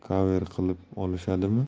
'cover' qilib olishadimi